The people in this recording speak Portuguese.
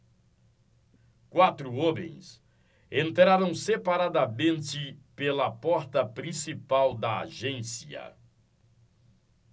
quatro homens entraram separadamente pela porta principal da agência